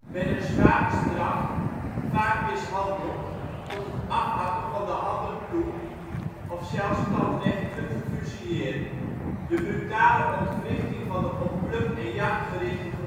werden zwaar bestraft, vaak mishandeld - tot het afhakken van de handen toe - of zelfs standrechtelijk gefusilleerd. De brutale ontwrichting van de op pluk en jacht gerichte gemeenschappen